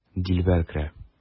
Дилбәр керә.